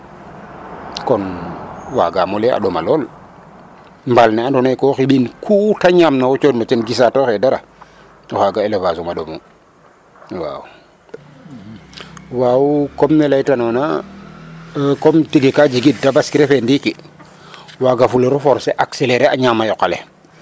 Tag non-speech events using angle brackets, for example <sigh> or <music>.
Kon waagaam o lay ee a ɗoma lool mbaal ne andoona yee ko xiɓin ku ta ñaamna wo cooxun o ten gisatoxee dara oxaga élevage um a ɗomu waaw <hesitation> waaw comme ne laytanoona comme tige ka jigid tabaski refee ndiiki waagafuliro forcé acceler a ñaama yoq ale.